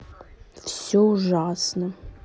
все ужасно